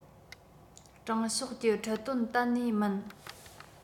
དྲང ཕྱོགས ཀྱི ཁྲིད སྟོན གཏན ནས མིན